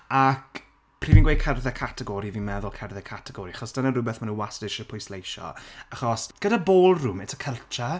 Ac pryd fi'n gweud cerdded categori, fi'n meddwl cerdded categori achos dyna rywbeth maen nhw wastad isie pwysleisio achos gyda Ballroom, it's a culture.